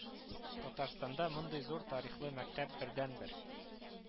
Татарстанда мондый зур тарихлы мәктәп бердәнбер